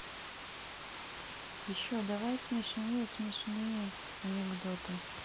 еще давай смешные смешные анекдоты